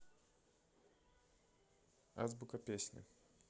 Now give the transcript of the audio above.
азбука песня